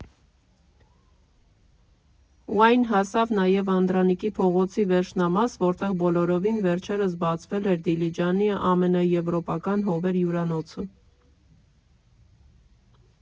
Ու այն հասավ նաև Անդրանիկի փողոցի վերջնամաս, որտեղ բոլորովին վերջերս բացվել էր Դիլիջանի ամենաեվրոպական «Հովեր» հյուրանոցը։